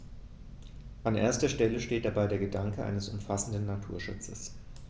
An erster Stelle steht dabei der Gedanke eines umfassenden Naturschutzes.